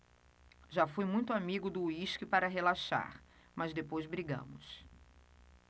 já fui muito amigo do uísque para relaxar mas depois brigamos